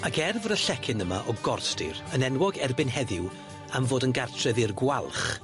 Ag er fod y llecyn yma o gorstir yn enwog erbyn heddiw am fod yn gartref i'r gwalch